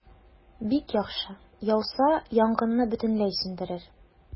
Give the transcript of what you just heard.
Бик яхшы, яуса, янгынны бөтенләй сүндерер.